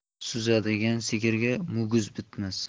suzadigan sigirga muguz bitmas